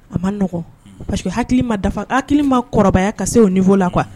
A ma nɔgɔn parce que haki ma dafa ha hakiliki ma kɔrɔbayaya ka se o ninfo la qu kuwa